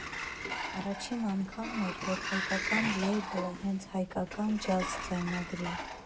Առաջին անգամն էր, որ հայկական լեյբլը հենց հայկական ջազ ձայնագրի։